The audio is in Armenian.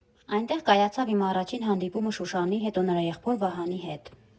Այնտեղ կայացավ իմ առաջին հանդիպումը Շուշանի, հետո նրա եղբոր՝ Վահանի հետ։